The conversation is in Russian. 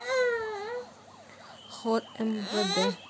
хор мвд